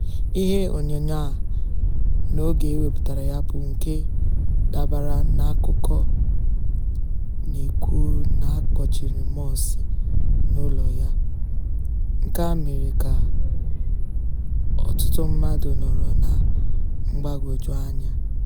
Ihe onyonyo a, na oge ewepụtara ya bụ nke dabara n'akụkọ na-ekwu na akpọchiri Morsi n'ụlọ ya, nke a mere ka ọtụtụ mmadụ nọrọ na mgbagwoju anya.